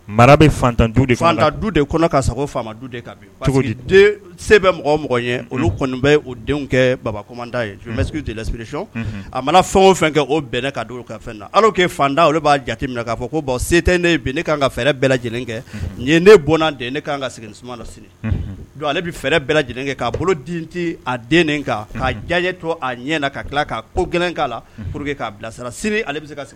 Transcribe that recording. Baba a mana fɛn o bɛntan b'a jate minɛ k'a fɔ ko bɔn tɛ ne kan kaɛrɛ bɛɛ lajɛlen kɛ ne bɔnna ne ka segin suma sini ale bɛ bɛɛ lajɛlen kɛ k'a bolo tɛ den'a diya to a ɲɛ ka tila k' ko gɛlɛn k'a la k'a bila sini